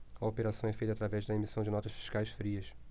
a operação é feita através da emissão de notas fiscais frias